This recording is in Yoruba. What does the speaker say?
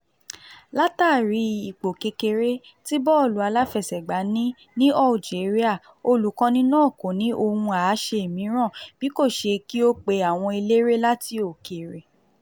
Látààrí ipò kékeré tí bọ́ọ̀lù aláfẹsẹ̀gbá ní ní Algeria olùkọ́ni náà kò ní ohun àáṣe mìíràn bí kò ṣe kí ó pe àwọn eléré láti òkèèrè.